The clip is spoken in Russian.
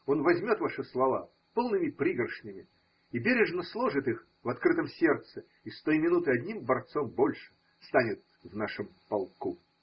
Он возьмет ваши слова полными пригоршнями и бережно сложит их в открытом сердце, и с той минуты одним борцом больше станет в нашем полку.